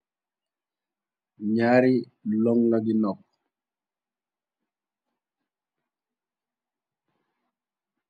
Ñaari lon lon ngi nopuh.